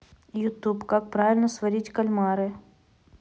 ютуб как правильно сварить кальмары